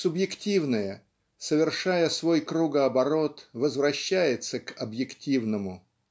субъективное, совершая свой кругооборот, возвращается к объективному.